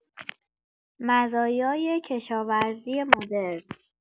مزایای کشاورزی مدرن